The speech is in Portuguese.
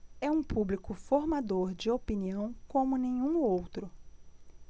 é um público formador de opinião como nenhum outro